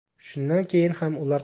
shundan keyin ham ular